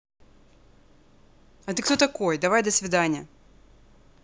а ты кто такой давай до свидания